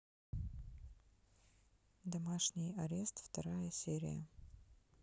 домашний арест вторая серия